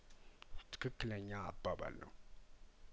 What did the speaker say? ትክክለኛ አባባል ነው